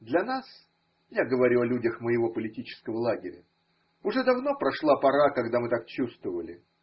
Для нас (я говорю о людях моего политического лагеря) уже давно прошла пора. когда мы так чувствовали.